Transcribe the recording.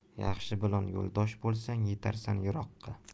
yaxshi bilan yo'ldosh bo'lsang yetarsan yiroqqa